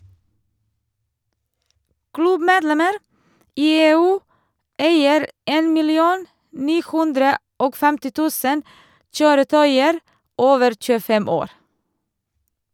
Klubbmedlemmer i EU eier 1 950 000 kjøretøyer over 25 år.